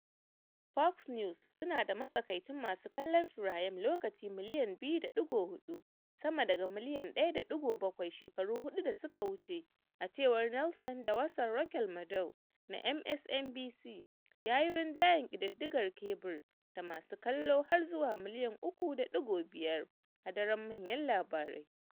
Fox News su na da matsakaicin masu kallon firayim lokaci miliyan 2.4, sama daga miliyan 1.7 shekaru huɗu da suka wuce, a cewar Nielsen, da “Wasar Rachel Maddow” na MSNBC ya yi rinjayen kididdigar kebur da masu kallo har zuwa miliyan 3.5 a daren manyan labarai.